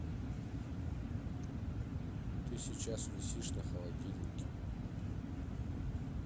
ты сейчас висишь на холодильнике